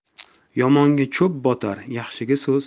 yomonga cho'p botar yaxshiga so'z